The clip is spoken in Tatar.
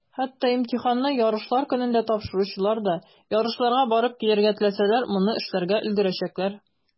Хәтта имтиханны ярышлар көнендә тапшыручылар да, ярышларга барып килергә теләсәләр, моны эшләргә өлгерәчәкләр.